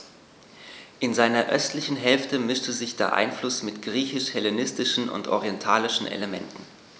In seiner östlichen Hälfte mischte sich dieser Einfluss mit griechisch-hellenistischen und orientalischen Elementen.